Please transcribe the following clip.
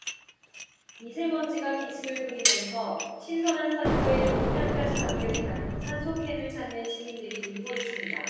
미세먼지가 기승을 부리면서 신선한 산소에 좋은 향까지 담겨 있다는 산소캔을 찾는 시민들이 늘고 있습니다